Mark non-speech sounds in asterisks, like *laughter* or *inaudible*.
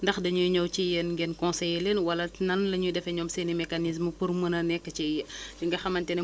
jokkalante bi ak *hesitation* producteurs yi muy paysan yi naka ngeen koy defee ci seen niveau naka ngeen di def